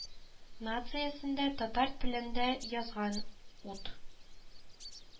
Нациясендә татар телендә язган ут